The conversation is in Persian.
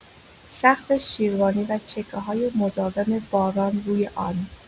سقف شیروانی و چکه‌های مداوم باران روی آن